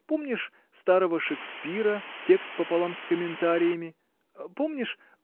Помнишь старого Шекспира, текст пополам с комментариями? Помнишь.